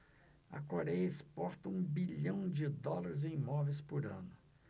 a coréia exporta um bilhão de dólares em móveis por ano